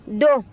don